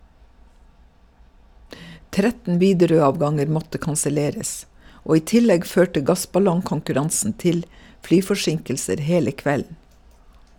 13 Widerøe-avganger måtte kanselleres, og i tillegg førte gassballongkonkurransen til flyforsinkelser hele kvelden.